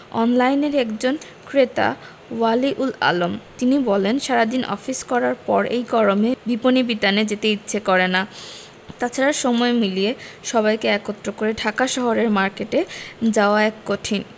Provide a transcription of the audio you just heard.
অনলাইনের একজন ক্রেতা ওয়ালি উল আলীম তিনি বলেন সারা দিন অফিস করার পর এই গরমে বিপণিবিতানে যেতে ইচ্ছে করে না তা ছাড়া সময় মিলিয়ে সবাইকে একত্র করে ঢাকা শহরের মার্কেটে যাওয়া এখন কঠিন